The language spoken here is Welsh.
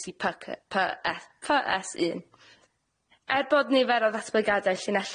py cy py ec cy es un. Er bod nifer o ddatblygiade llinellog